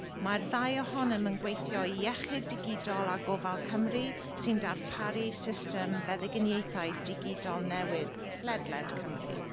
Mae'r ddau ohonom yn gweithio i Iechyd Digidol a Gofal Cymru sy'n darparu system feddygyniaethau digidol newydd ledled Cymru.